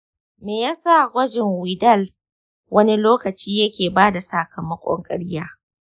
me yasa gwajin widal wani lokaci yake bada sakamakon ƙarya?